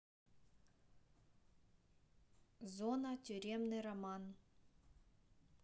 зона тюремный роман